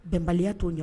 Bɛnbaliya t'o